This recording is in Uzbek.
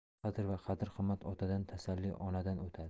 qadr va qadr qimmat otadan tasalli onadan o'tadi